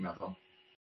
Dwi meddwl.